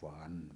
van.